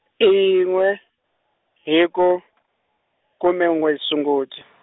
i yinwe, hiko , khume n'we Sunguti.